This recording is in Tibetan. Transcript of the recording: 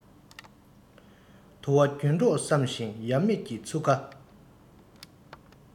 དུ བ རྒྱུན གྲོགས བསམ ཞིང ཡ མེད ཀྱི ཚུགས ཀ